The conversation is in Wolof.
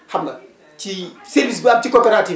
xam nga ci service bu am ci coopérative